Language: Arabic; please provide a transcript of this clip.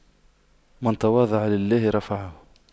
من تواضع لله رفعه